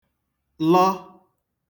lọ